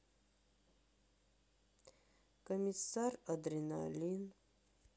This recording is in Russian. комиссар адреналин